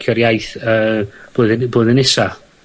y blwyddyn, y blwyddyn nesa.